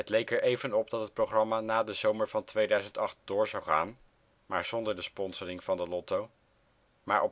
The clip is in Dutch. leek er even op dat het programma na de zomer van 2008 door zou gaan, maar zonder de sponsoring van de Lotto, maar